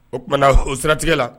O tumaumana h siratigɛ la